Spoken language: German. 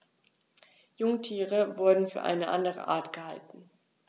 Jungtiere wurden für eine andere Art gehalten.